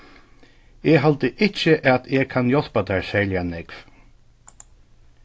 eg haldi ikki at eg kann hjálpa tær serliga nógv